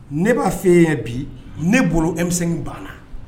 Ne b'a fɛ yan bi ne bolo emisɛn banna